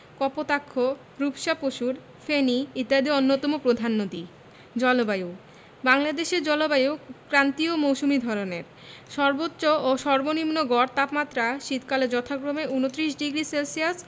কপোতাক্ষ রূপসা পসুর ফেনী ইত্যাদি অন্যতম প্রধান নদী জলবায়ুঃ বাংলাদেশের জলবায়ু ক্রান্তীয় মৌসুমি ধরনের সর্বোচ্চ ও সর্বনিম্ন গড় তাপমাত্রা শীতকালে যথাক্রমে ২৯ ডিগ্রি সেলসিয়াস